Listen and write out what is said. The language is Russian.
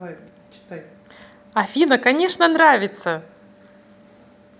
афина конечно нравится